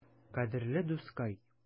Кадерле дускай!